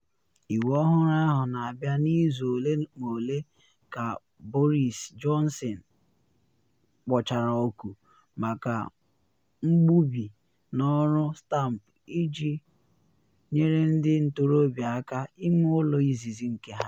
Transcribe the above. Iwu ọhụrụ ahụ na abịa n’izu ole ma ole ka Boris Johnson kpọchara oku maka mgbubi n’ọrụ stampụ iji nyere ndị ntorobịa aka ịnwe ụlọ izizi nke ha.